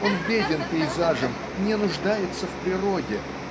он беден пейзажем, не нуждается в природе